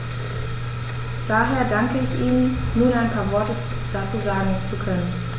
Daher danke ich Ihnen, nun ein paar Worte dazu sagen zu können.